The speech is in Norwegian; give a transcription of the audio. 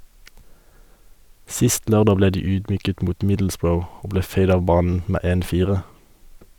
Sist lørdag ble de ydmyket mot Middlesbrough , og ble feid av banen med 1-4.